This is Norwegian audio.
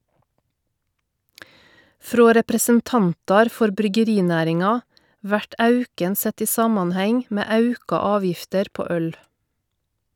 Frå representantar for bryggerinæringa vert auken sett i samanheng med auka avgifter på øl.